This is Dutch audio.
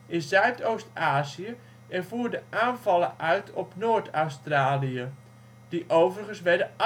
in Zuidoost-Azië en voerde aanvallen uit op Noord-Australië, die overigens werden